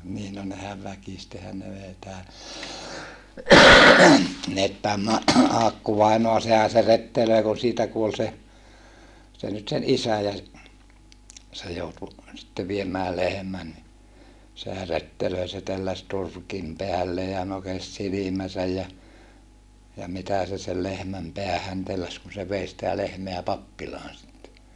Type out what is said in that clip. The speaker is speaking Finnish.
niin no nehän väkisinhän ne vei tämä Aakku-vainaa sehän se rettelöi kun siitä kuoli se nyt sen isä ja se se joutui sitten viemään lehmän niin sehän rettelöi se telläsi turkin päälleen ja nokesi silmänsä ja ja mitä se sen lehmän päähän telläsi kun se vei sitä lehmää pappilaan sitten